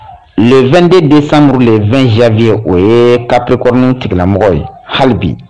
2den de samuru 2 zayye o ye kaplekin tigilamɔgɔ ye hali bi